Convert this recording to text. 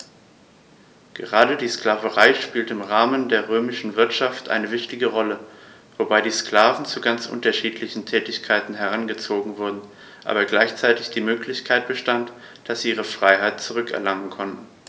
Gerade die Sklaverei spielte im Rahmen der römischen Wirtschaft eine wichtige Rolle, wobei die Sklaven zu ganz unterschiedlichen Tätigkeiten herangezogen wurden, aber gleichzeitig die Möglichkeit bestand, dass sie ihre Freiheit zurück erlangen konnten.